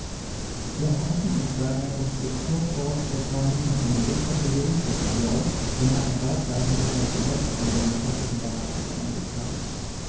Wir erhoffen uns daher vom Strukturfondsprogramm nicht nur eine wirtschaftliche Umstrukturierung, sondern eine weitreichendere Verbesserung der wirtschaftlichen Basis des Landesteils.